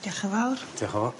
Diolch yn fawr. Dioch y' fawr.o